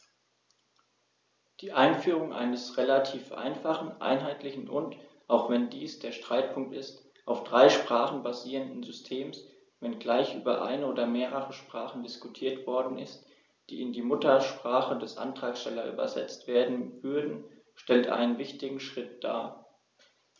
Die Einführung eines relativ einfachen, einheitlichen und - auch wenn dies der Streitpunkt ist - auf drei Sprachen basierenden Systems, wenngleich über eine oder mehrere Sprachen diskutiert worden ist, die in die Muttersprache des Antragstellers übersetzt werden würden, stellt einen wichtigen Schritt dar.